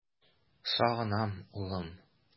Сагынам, улым!